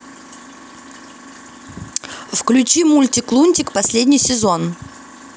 включи мультик лунтик последний сезон